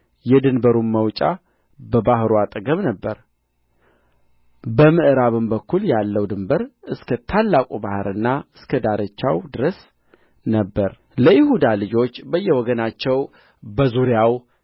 የድንበሩም መውጫ በባሕሩ አጠገብ ነበረ በምዕራቡም በኩል ያለው ድንበር እስከ ታላቁ ባሕርና እስከ ዳርቻው ድረስ ነበረ ለይሁዳ ልጆች በየወገናቸው በዙሪያው